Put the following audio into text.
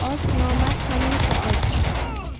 och nomard hamisha och